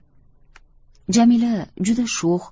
jamila juda sho'x